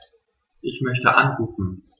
Ich möchte anrufen.